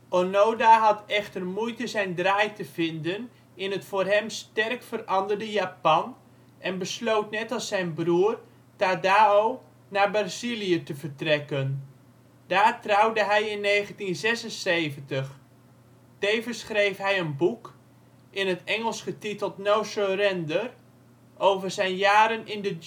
Onoda had echter moeite zijn draai te vinden in het voor hem sterk veranderde Japan, en besloot net als zijn broer, Tadao, naar Brazilië te vertrekken. Daar trouwde hij in 1976. Tevens schreef hij een boek (in het Engels getiteld No Surrender) over zijn jaren in de